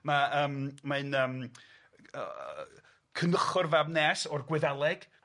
Ma' yym mae'n yym yy Cynchor fab Nes o'r Gwyddeleg.